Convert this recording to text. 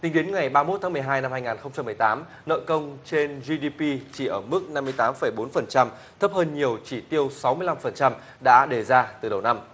tính đến ngày ba mốt tháng mười hai năm hai ngàn không trăm mười tám nợ công trên di đi pi chỉ ở mức năm mươi tám phẩy bốn phần trăm thấp hơn nhiều chỉ tiêu sáu mươi lăm phần trăm đã đề ra từ đầu năm